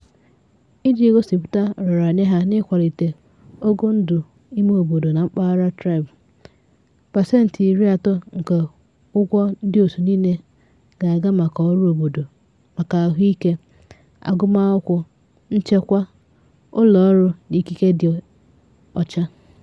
Iji gosịpụta nraranye ha n'ịkwalite ogo ndụ imeobodo na mpaghara "Tribe", 30% nke ụgwọ ndịòtù niile ga-aga maka ọrụ obodo maka ahụike, agụmakwụkwọ, nchekwa, ụlọọrụ na ikike dị ọcha.